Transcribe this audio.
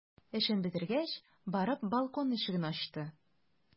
Эшен бетергәч, барып балкон ишеген ачты.